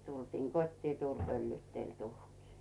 tultiin kotiin tuuli pöllyytteli tuhkia